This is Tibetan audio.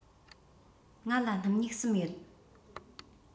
ང ལ སྣུམ སྨྱུག གསུམ ཡོད